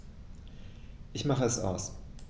Ich mache es aus.